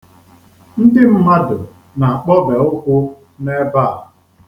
Ndị mmadụ na-akpọbe ụkwụ n'ebe a.